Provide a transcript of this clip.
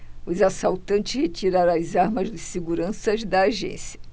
os assaltantes retiraram as armas dos seguranças da agência